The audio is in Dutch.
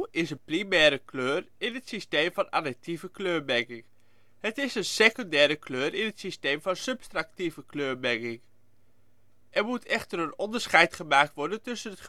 is een primaire kleur in het systeem van additieve kleurmenging. Het is een secundaire kleur in het systeem van subtractieve kleurmenging. Er moet echter een onderscheid gemaakt worden tussen